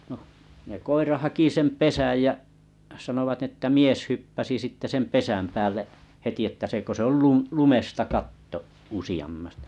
no ne koira haki sen pesän ja sanovat niin että mies hyppäsi sitten sen pesän päälle heti että se kun se - lumesta katto -